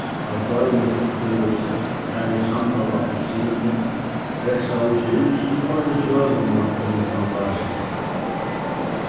eitt deiligt upplivilsi har vit samlaðu appilsinir pressaðu djús og hoyrdu søguna um plantasjuna